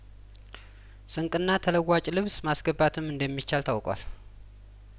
ስንቅና ተለዋጭ ልብስ ማስገባትም እንደሚቻል ታውቋል